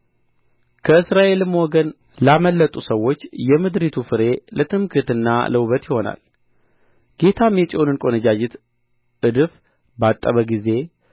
ከእስራኤልም ወገን ላመለጡ ሰዎች የምድሪቱን ፍሬ ለትምክሕትና ለውበት ይሆናል ጌታም የጽዮንን ቈነጃጅት እድፍ ባጠበ ጊዜ